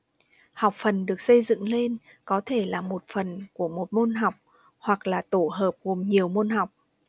học phần được xây dựng lên có thể là một phần của một môn học hoặc là tổ hợp gồm nhiều môn học